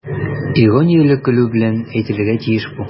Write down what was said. Иронияле көлү белән әйтелергә тиеш бу.